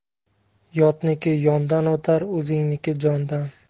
yotniki yondan o'tar o'zingniki jondan